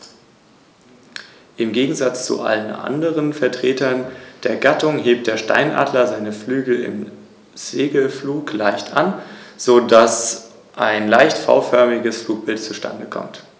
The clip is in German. Das „Land der offenen Fernen“, wie die Rhön auch genannt wird, soll als Lebensraum für Mensch und Natur erhalten werden.